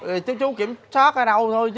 ờ chú chú kiểm soát ở đâu thôi